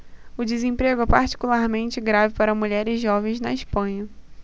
o desemprego é particularmente grave para mulheres jovens na espanha